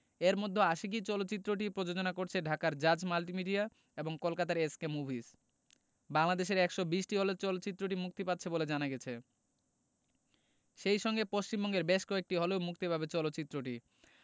এর মধ্যে আশিকী চলচ্চিত্রটি প্রযোজনা করছে ঢাকার জাজ মাল্টিমিডিয়া এবং কলকাতার এস কে মুভিজ বাংলাদেশের ১২০টি হলে চলচ্চিত্রটি মুক্তি পাচ্ছে বলে জানা গেছে সেই সঙ্গে পশ্চিমবঙ্গের বেশ কয়েকটি হলেও মুক্তি পাবে চলচ্চিত্রটি